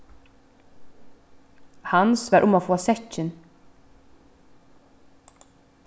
hans var um at fáa sekkin